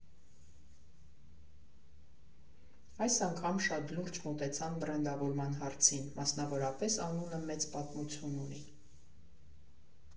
Այս անգամ շատ լուրջ մոտեցան բրենդավորման հարցին, մասնավորապես անունը մեծ պատմություն ունի։